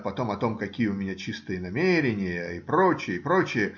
; потом о том, какие у меня чистые намерения, и пр. и пр.